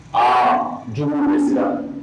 A j bɛ sira